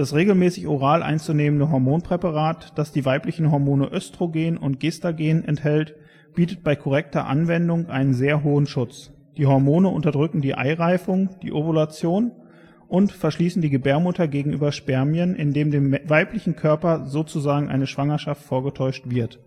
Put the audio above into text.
regelmäßig oral einzunehmende Hormonpräparat, das die weiblichen Hormone Östrogen und Gestagen enthält, bietet bei korrekter Anwendung einen sehr hohen Schutz. Die Hormone unterdrücken die Eireifung, die Ovulation und verschließen die Gebärmutter gegenüber Spermien, indem dem weiblichen Körper sozusagen eine Schwangerschaft vorgetäuscht wird